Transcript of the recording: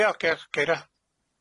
Ie oce Geira.